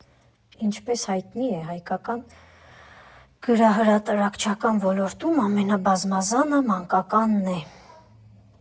Ինչպես հայտնի է, հայկական գրահրատարակչական ոլորտում ամենաբազմազանը մանկականն է։